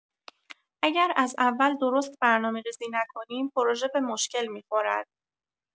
اگر از اول درست برنامه‌ریزی نکنیم، پروژه به مشکل می‌خورد.